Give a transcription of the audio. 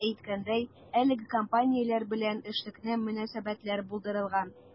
Әйткәндәй, әлеге компанияләр белән эшлекле мөнәсәбәтләр булдырылган.